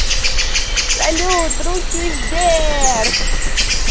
салют руки вверх